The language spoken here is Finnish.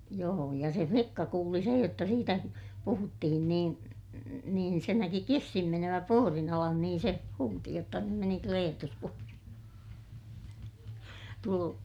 joo ja se likka kuuli sen jotta siitä puhuttiin niin niin se näki kissan menevän puodin alle niin se huusi jotta nyt meni Kleetus puodin alle -